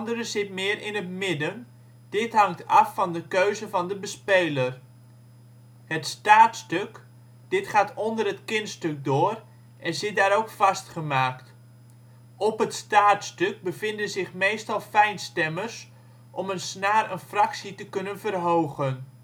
zitten meer in het midden, dit hangt af van de keuze van de bespeler. Het staartstuk, dit gaat onder het kinstuk door, en zit daar ook vastgemaakt. Op het staartstuk bevinden zich meestal fijnstemmers, om een snaar een fractie te kunnen verhogen